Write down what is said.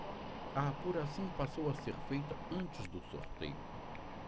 a apuração passou a ser feita antes do sorteio